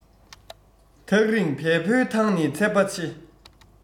ཐག རིང བལ བོའི ཐང ནི ཚད པ ཆེ